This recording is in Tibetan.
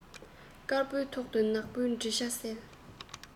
དཀར པོའི ཐོག ཏུ ནག པོའི བྲིས ཆ གསལ